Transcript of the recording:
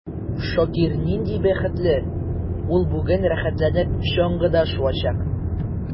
Шакир нинди бәхетле: ул бүген рәхәтләнеп чаңгыда шуачак.